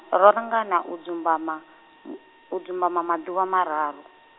ro langana u dzumbama, u dzumbama maḓuvha mararu.